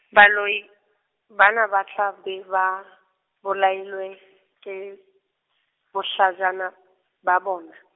baloi, bana ba tla be ba, bolailwe, ke, bohlajana, ba bona.